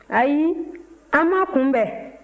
ayi an ma kunbɛn